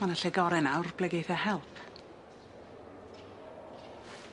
Ma' yn y lle gore' nawr ble geith e help.